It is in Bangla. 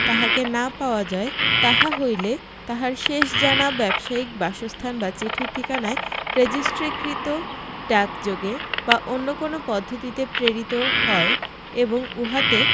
তাহাকে না পাওয়া যায় তাহা হইলে তাহার শেষ জানা ব্যবসায়িক বাসস্থান বা চিঠির ঠিকানায় রেজিষ্ট্রিকৃত ডাকযোগে বা অন্য কোন পদ্ধতিতে প্রেরিত হয় এবং উহাতে